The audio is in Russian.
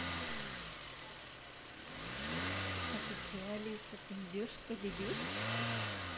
а ты чего алиса ты идешь что ли любишь